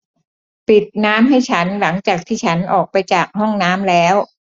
ปิดน้ำให้ฉันหลังจากที่ฉันออกไปจากห้องน้ำแล้ว